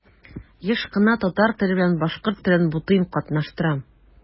Еш кына татар теле белән башкорт телен бутыйм, катнаштырам.